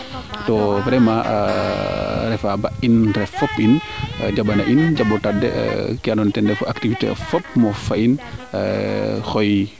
to vraiment refa ba in ref fop in jamba na in jambo tarder ke ando naye ten refu activité ogf fop no fa in xooy